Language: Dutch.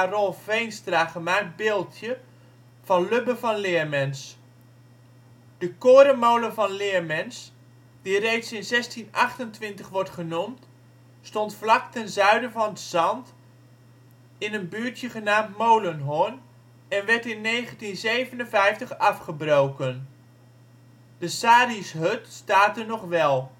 Rolf Veenstra gemaakt beeldje van Lubbe van Leermens. De korenmolen van Leermens, die reeds in 1628 wordt genoemd, stond vlak ten zuiden van ' t Zandt in een buurtje genaamd Molenhorn en werd in 1957 afgebroken. De sarrieshut staat er nog wel